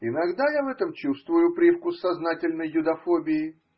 Иногда я в этом чувствую привкус сознательной юдофобии